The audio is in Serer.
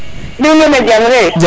nuun way no jam re